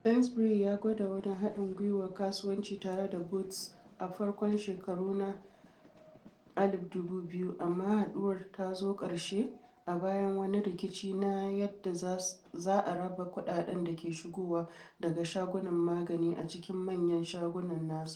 Sainsbury’s ya gwada wani haɗin gwiwar kasuwanci tare da Boots a farkon shekaru na 2000, amma haɗuwar ta zo ƙarshe a bayan wani rikici na yadda za a raba kuɗaɗen da ke shigowa daga shagunan magani a cikin manyan shagunan nasa.